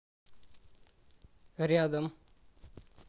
рядом